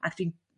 ac dwi'n